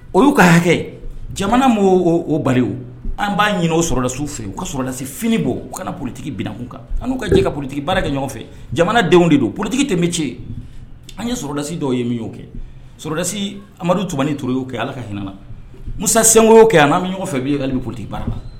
O y'u ka hakɛ jamana ma oo bali an b'a ɲinin o sɔrɔdasiw fɛ yen u ka sɔrɔladasi fini bɔ u kana politigi bin kan an'u ka jɛ ka politigi baara kɛ ɲɔgɔnfɛ jamana denw de don porotigi tɛmɛ bɛ ce an ye sɔrɔdasi dɔw ye min'o kɛ sudasi amadu tunmani t to y'o kɛ ala ka hinɛana musa senko kɛ n' min ɲɔgɔn fɛ b' ye ka'ale bɛ politigi baara la